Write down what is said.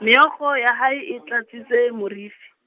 meokgo ya hae e tlatsitse morifi.